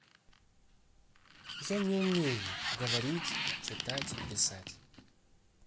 я не умею говорить читать писать